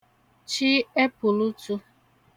chi ẹpùlutū